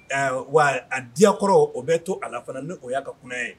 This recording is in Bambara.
Wa a diyakɔrɔ o bɛ to a ala fana ni o y'a ka kuma ye